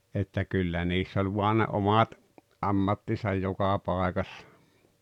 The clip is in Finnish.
että kyllä niissä oli vain ne omat ammattinsa joka paikassa